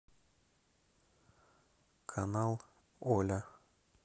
канал оля